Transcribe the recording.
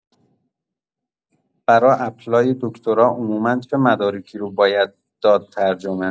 برای اپلای دکتری عموما چه مدارکی رو بابد داد ترجمه؟